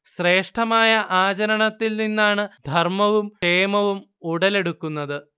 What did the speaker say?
ശ്രേഷ്ഠമായ ആചരണത്തിൽ നിന്നാണ് ധർമ്മവും ക്ഷേമവും ഉടലെടുക്കുന്നത്